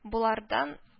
Болардан